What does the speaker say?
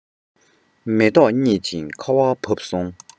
མེ ཏོག རྙིད ཅིང ཁ བ བབས སོང